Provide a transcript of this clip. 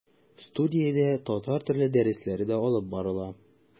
Студиядә татар теле дәресләре дә алып барыла.